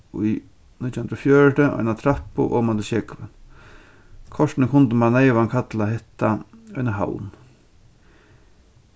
í nítjan hundrað og fjøruti eina trappu oman til sjógvin kortini kundi man neyvan kalla hetta eina havn